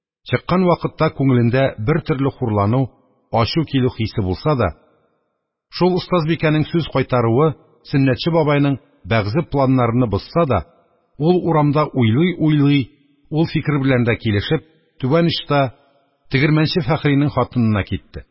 Чыккан вакытта күңелендә бертөрле хурлану, ачу килү хисе булса да, шул остазбикәнең сүз кайтаруы Сөннәтче бабайның бәгъзе планнарыны бозса да, ул, урамда уйлый-уйлый, ул фикер берлән дә килешеп, түбән очта тегермәнче Фәхринең хатынына китте.